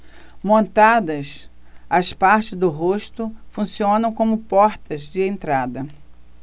montadas as partes do rosto funcionam como portas de entrada